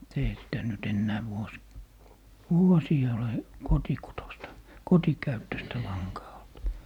mutta eihän sitä nyt enää - vuosiin ole kotikutoista kotikäyttöistä lankaa ollut